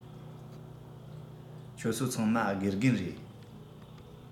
ཁྱོད ཚོ ཚང མ དགེ རྒན རེད